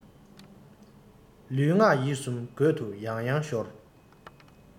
ལུས ངག ཡིད གསུམ རྒོད དུ ཡང ཡང ཤོར